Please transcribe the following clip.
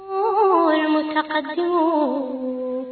Mɔmu